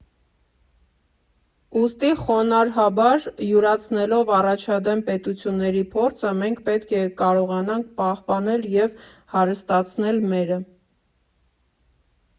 Ուստի խոնարհաբար յուրացնելով առաջադեմ պետությունների փորձը՝ մենք պետք է կարողանանք պահպանել և հարստացնել մերը։